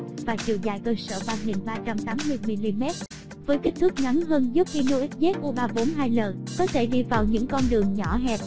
và chiều dài cơ sở mm với kích thước ngắn hơn giúp hino xzu l có thể đi vào những con đường nhỏ hẹp